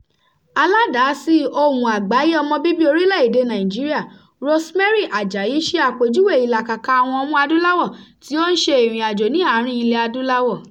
Aládàásí Ohùn Àgbáyé ọmọbíbí orílẹ̀-èdè Nàìjíríà Rosemary Àjàyí ṣe àpèjúwe "ìlàkàkà àwọn ọmọ-adúláwọ̀ tí ó ń ṣe ìrìnàjò ní àárín ilẹ̀-adúláwọ̀ ":